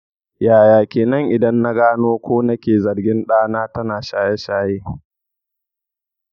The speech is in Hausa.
yaya ke nan idan na gano ko nake zargin ɗana tana shaye-shaye?